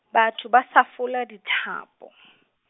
batho ba fasolla dithapo.